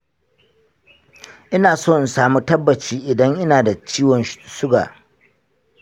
ina so in samu tabbaci idan ina da ciwon suga.